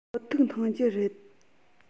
བོད ཐུག འཐུང རྒྱུ རེད